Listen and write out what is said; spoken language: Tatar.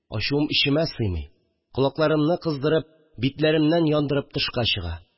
Ачуым эчемә сыймый, колакларымны кыздырып, битләремнән яндырып тышка чыга